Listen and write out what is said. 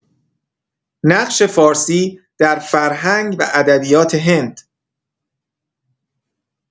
نقش فارسی در فرهنگ و ادبیات هند